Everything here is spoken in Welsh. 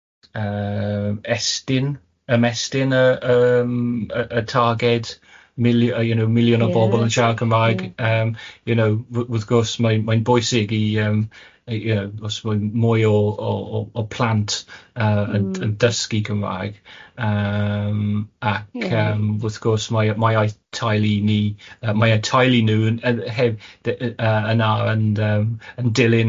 Yym estyn, ymestyn y yym y y tâged mili- yy you know miliwn o bobl yn siarad Cymraeg yym you know w- wrth gwrs mae'n mae'n bwysig i yym you know os mae mwy o o o plant yy... Mm. ...yn yn dysgu Cymrâg yym ac yym wrth gwrs mae yy mae eu tailu ni yy mae eu tailu nhw yn yn heb dy- yy yn ar- yn yym yn dilyn.